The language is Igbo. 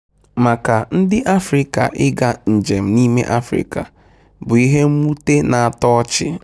Maka ndị Afrịka ịga njem n'ime Afrịka: bụ ihe mwute na-atọ ọchị.